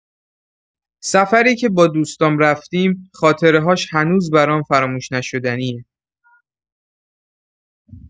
سفری که با دوستام رفتیم، خاطره‌هاش هنوز برام فراموش‌نشدنیه.